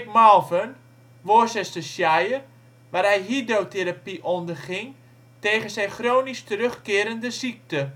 Malvern (Worcestershire), waar hij hydrotherapie onderging tegen zijn chronisch terugkerende ziekte. In 1851